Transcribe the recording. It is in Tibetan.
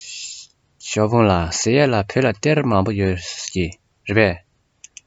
ཞའོ ཧྥུང ལགས ཟེར ཡས ལ བོད ལ གཏེར མང པོ ཡོད རེད ཟེར གྱིས རེད པས